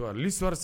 ɔ, l'histoire